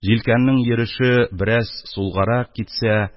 , җилкәннең йөреше бераз сулгарак китсә,